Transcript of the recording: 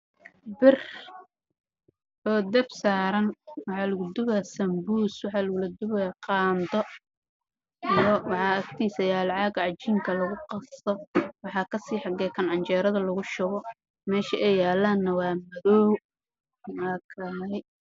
Meeshaan waxaa ka muuqdo bir dabka saaran oo sanbuus lagu dubaayo